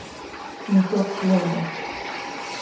не то слово